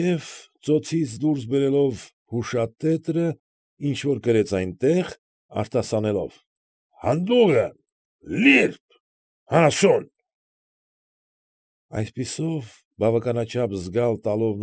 Եվ, ծոցից դուրս բերելով հուշատետրը, ինչ֊որ գրեց այնտեղ, արտասանելով,֊ հանդո՛ւգն, լի՛րբ, անասո՛ւն… Այսպիսով, բավականաչափ զգալ տալով։